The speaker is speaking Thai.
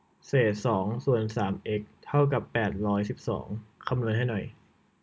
เศษสองส่วนสามเอ็กซ์เท่ากับแปดร้อยสิบสองคำนวณให้หน่อย